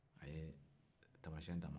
a ye taamasiyɛn d'a ma